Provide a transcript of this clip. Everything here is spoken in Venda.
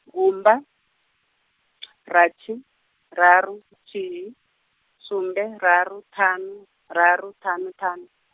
gumba, rathi, raru nthihi, sumbe raru ṱhanu, raru ṱhanu ṱhanu.